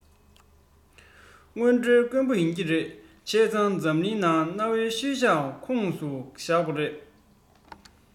དངོས འབྲེལ དཀོན པོ ཡིན གྱི རེད བྱས ཙང འཛམ གླིང གི གནའ བོའི ཤུལ བཞག ཁོངས སུ བཞག པ རེད